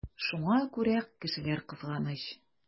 Шуңа күрә кешеләр кызганыч.